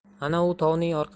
ana u tovning